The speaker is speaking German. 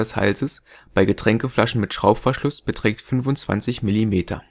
Halses bei Getränkeflaschen mit Schraubverschluss beträgt 25 mm